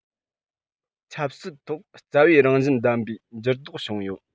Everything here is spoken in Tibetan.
ཆབ སྲིད ཐོག རྩ བའི རང བཞིན ལྡན པའི འགྱུར ལྡོག བྱུང ཡོད